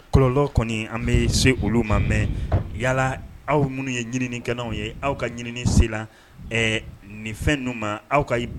Kɔlɔ yalala aw minnu ye ɲiniini kɛnɛw ye aw ka sen nin fɛn ninnu ma aw ka